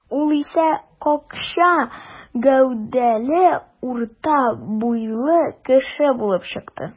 Ул исә какча гәүдәле, урта буйлы кеше булып чыкты.